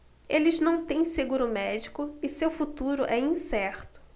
eles não têm seguro médico e seu futuro é incerto